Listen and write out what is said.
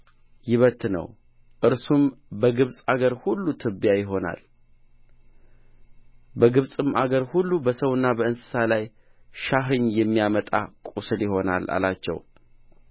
ይበትነው እርሱም በግብፅ አገር ሁሉ ትቢያ ይሆናል በግብፅም አገር ሁሉ በሰውና በእንስሳ ላይ ሻህኝ የሚያመጣ ቍስል ይሆናል አላቸው